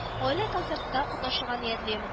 Гаилә-концертта катнашырга ниятлим